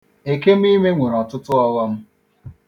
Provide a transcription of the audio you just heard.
Ekemụime nwere ọtụtụ ọghọm.